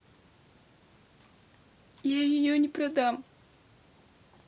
я ее не продам